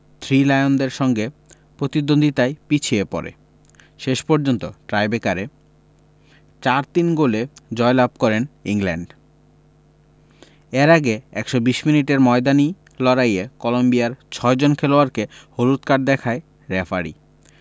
three লায়নদের সঙ্গে প্রতিদ্বন্দ্বিতায় পিছিয়ে পড়ে শেষ পর্যন্ত টাইট্রেকারে ৪ ৩ গোলে জয়লাভ করে ইংল্যান্ড এর আগে ১২০ মিনিটের ময়দানি লড়াইয়ে কলম্বিয়ার ছয়জন খেলোয়াড়কে হলুদ কার্ড দেখায় রেফারি